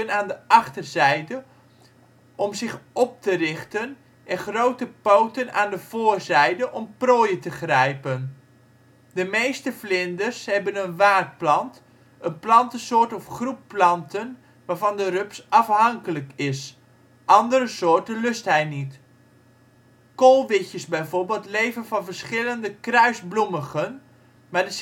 aan de achterzijde om zich op te richten en grote poten aan de voorzijde om prooien te grijpen. De meeste vlinders hebben een waardplant, een plantensoort of groep planten waarvan de rups afhankelijk is; andere soorten lust hij niet. Koolwitjes bijvoorbeeld leven van verschillende kruisbloemigen, maar de Sint-jacobsvlinder